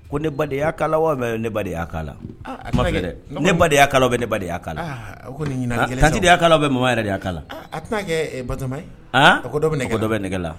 Ko ne ba y' kala ne y'a kala ma dɛ ne ba de y' bɛ ne ba de kala a nin bɛ mama yɛrɛ' kala a a ko dɔ bɛ ne dɔ bɛ ne la